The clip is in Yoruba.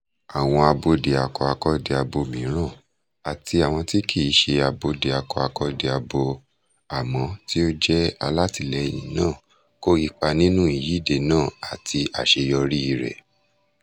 Àwọn Abódiakọ-akọ́diabo mìíràn àti àwọn tí kì í ṣe Abódiakọ-akọ́diabo àmọ́ tí ó jẹ́ alátìlẹ́yìn náà kó ipa nínú ìyíde náà àti àṣeyọríi rẹ̀.